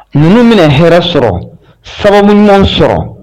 Mun bɛ hɛrɛ sɔrɔ sababuɲɔgɔn sɔrɔ